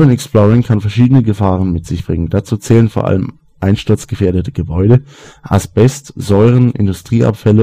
Exploring kann verschiedene Gefahren mit sich bringen. Dazu zählen vor allem einsturzgefährdete Gebäude, Asbest, Säuren, Industrieabfälle